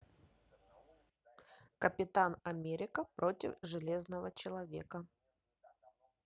капитан америка против железного человека